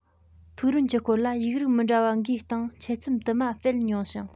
ཕུག རོན གྱི སྐོར ལ ཡིག རིགས མི འདྲ བ འགའི སྟེང ཆེད རྩོམ དུ མ སྤེལ མྱོང ཞིང